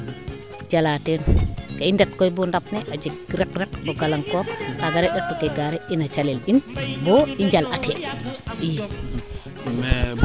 jala teen ka i ndet koy bo ndap ne a jeg rek rek fo galang kor kaaga re atu kee gaare ina calel in bo i njal a tee i